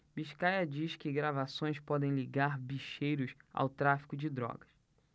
biscaia diz que gravações podem ligar bicheiros ao tráfico de drogas